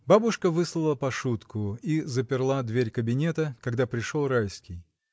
Бабушка выслала Пашутку и заперла дверь кабинета, когда пришел Райский.